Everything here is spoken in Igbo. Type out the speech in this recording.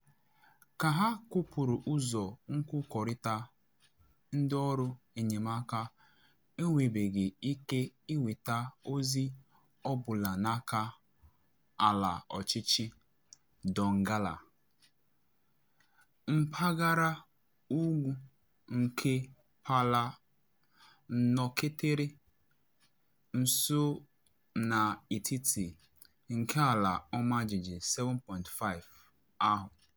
Ka akụpụrụ ụzọ nkwukọrịta, ndị ọrụ enyemaka enwebeghị ike ịnweta ozi ọ bụla n’aka ala ọchịchị Donggala, mpaghara ugwu nke Palu nọketere nso na etiti nke ala ọmajiji 7.5 ahụ.